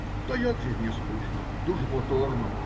- Так як же не скучно! Дуже моторно.